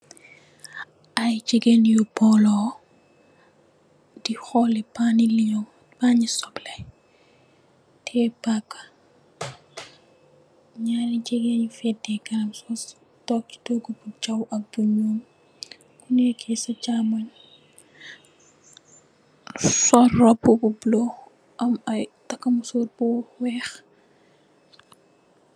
yaaaaay hyffj ĺķǰǰjjjjjnbh. Yggggffuhgffggjj hhhhvbhjjuyy hyhgjuuuhjj jjjbvuhhh.